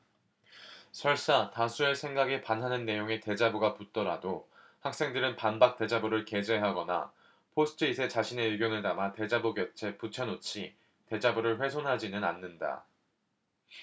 설사 다수의 생각에 반하는 내용의 대자보가 붙더라도 학생들은 반박 대자보를 게재하거나 포스트잇에 자신의 의견을 담아 대자보 곁에 붙여놓지 대자보를 훼손하지는 않는다